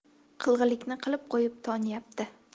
qilg'iliqni qilib qo'yib tonyapti